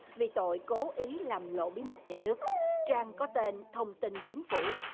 vì tội cố ý làm lộ bí mật nhà nước trang có tên thông tin chính phủ